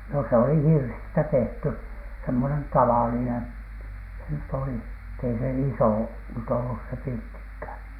no se oli hirsistä tehty semmoinen tavallinen se nyt oli että ei se iso nyt ollut se pirttikään